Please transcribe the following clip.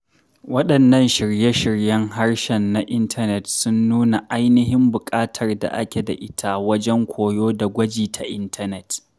Waɗannan shirye-shiryen harshen na intanet sun nuna ainihin buƙatar da ake da ita wajen koyo da gwaji ta intanet.